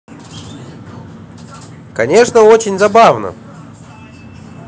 конечно очень забавно